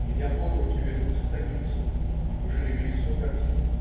Меня под руки ведут в станицу. Уже легли сумерки.